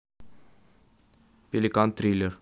пеликан триллер